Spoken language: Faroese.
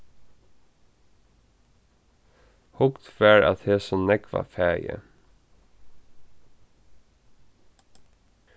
hugt var at hesum nógva fæi